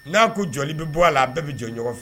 N'a ko joli bɛ bɔ a la a bɛɛ bɛ jɔ ɲɔgɔn fɛ